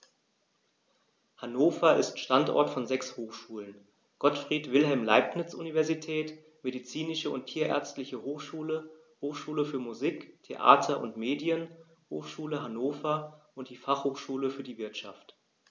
Hannover ist Standort von sechs Hochschulen: Gottfried Wilhelm Leibniz Universität, Medizinische und Tierärztliche Hochschule, Hochschule für Musik, Theater und Medien, Hochschule Hannover und die Fachhochschule für die Wirtschaft.